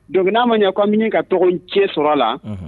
Donc n'a ma ɲɛ ko an bɛ ɲini ka tɔgɔ cɛn sɔrɔ a la